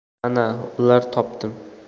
mana ular topdim